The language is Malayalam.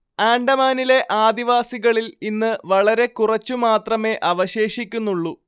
ആൻഡമാനിലെ ആദിവാസികളിൽ ഇന്ന് വളരെക്കുറച്ചുമാത്രമേ അവശേഷിക്കുന്നുള്ളൂ